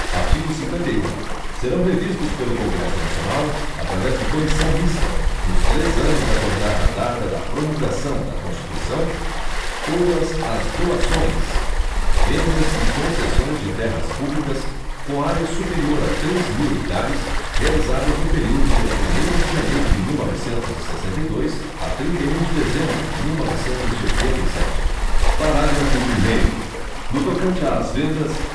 artigo cinquenta e um serão revistos pelo congresso nacional através de comissão mista nos três anos a contar da data da promulgação da constituição todas as doações vendas e concessões de terras públicas com área superior a três mil hectares realizadas no período de primeiro de janeiro de mil e novecentos e sessenta e dois a trinta e um de dezembro de mil novecentos e oitenta e sete parágrafo primeiro no tocante às vendas